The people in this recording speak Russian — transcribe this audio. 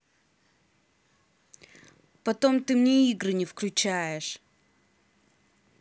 потом ты мне игры не включаешь